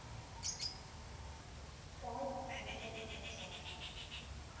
Պարկ հոթել Արցախ։